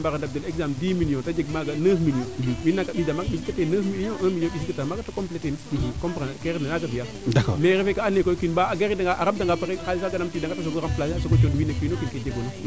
a mbaro ndamb del exemple dix million te jeg maaga neuf million ba mbisa ta maga mbis kate neuf million un million mbiskata maaga c' est compliquer comprendre naga fiya mais refe kaa dno naye koy mba a garida nga a rab danga ba pare xalis fa numti wiida nga te soogo ramplacer a sogo coox wiin we o kino kiin ke jegoona